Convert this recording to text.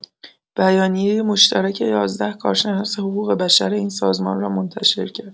بیانیه مشترک ۱۱ کارشناس حقوق‌بشر این سازمان را منتشر کرد.